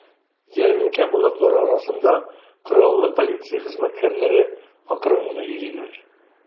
Ярминкә кунаклары арасында кораллы полиция хезмәткәрләре акрын гына йөриләр.